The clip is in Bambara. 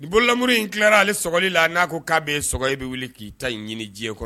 bololamuru in tilara ale sogoli la n'a ko k'a bɛ sogo i bɛ wuli k'i ta ɲɛɲini diɲɛ kɔnɔ.